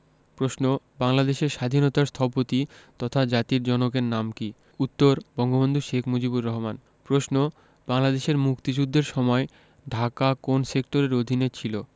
প্রশ্ন বাংলাদেশের স্বাধীনতার স্থপতি তথা জাতির জনকের নাম কী উত্তর বঙ্গবন্ধু শেখ মুজিবুর রহমান প্রশ্ন বাংলাদেশের মুক্তিযুদ্ধের সময় ঢাকা কোন সেক্টরের অধীনে ছিলো